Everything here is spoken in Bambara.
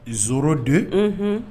So den